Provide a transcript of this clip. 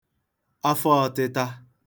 afọ ọ̄tị̄tā